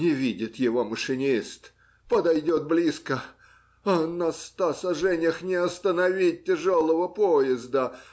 Не видит его машинист, подойдет близко, а на ста саженях не остановить тяжелого поезда!